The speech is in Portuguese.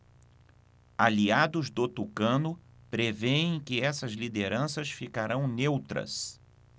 aliados do tucano prevêem que essas lideranças ficarão neutras